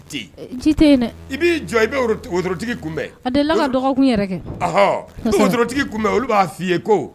Jɔtigi kun olu b'a fɔ i ye ko